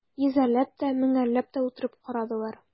Йөзәрләп тә, меңәрләп тә үтереп карадылар.